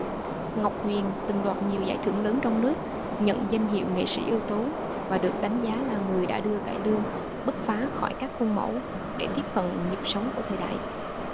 ngọc huyền từng đoạt nhiều giải thưởng lớn trong nước nhận danh hiệu nghệ sĩ ưu tú và được đánh giá là người đã đưa cải lương bứt phá khỏi các khuôn mẫu cũ để tiếp cận nhịp sống của thời đại